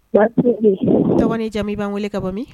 Dɔgɔnin jamu b'an wele ka bɔ